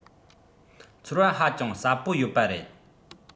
ཚོར བ ཧ ཅང ཟབ པོ ཡོད པ རེད